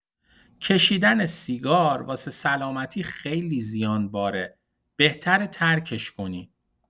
کشیدن سیگار واسه سلامتی خیلی زیانباره، بهتره ترکش کنی.